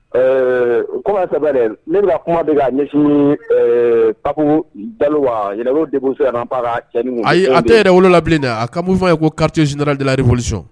Ɛɛ comment ne bena kuma de ka ɲɛsiin ee Yɛrɛwolo Déboucher Rampart a cɛ ni muso ayi a tɛ Yɛrɛwolo la bilen dɛ a ka mouvement ye ko Quartier General de la Révolution